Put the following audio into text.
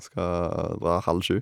Skal dra halv sju.